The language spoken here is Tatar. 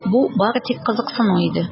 Бу бары тик кызыксыну иде.